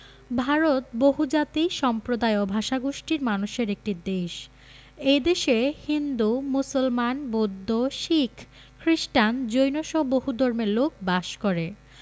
ভারত বহুজাতি সম্প্রদায় ও ভাষাগোষ্ঠীর মানুষের একটি দেশ এ দেশে হিন্দু মুসলমান বৌদ্ধ শিখ খ্রিস্টান জৈনসহ বহু ধর্মের লোক বাস করে